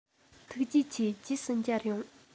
ཐུགས རྗེ ཆེ རྗེས སུ མཇལ ཡོང